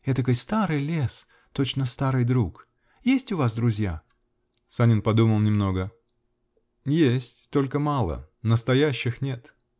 Этакой старый лес -- точно старый друг. Есть у вас друзья? Санин подумал немного. -- Есть. только мало. Настоящих нет.